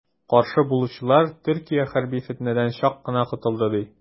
Каршы булучылар, Төркия хәрби фетнәдән чак кына котылды, ди.